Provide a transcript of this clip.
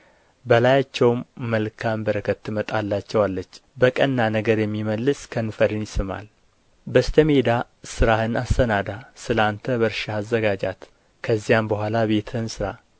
በላያቸውም መልካም በረከት ትመጣላቸዋለች በቀና ነገር የሚመልስ ከንፈርን ይስማል በስተ ሜዳ ሥራህን አሰናዳ ስለ አንተ በእርሻ አዘጋጃት ከዚያም በኋላ ቤትህን ሥራ